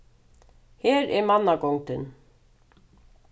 her er mannagongdin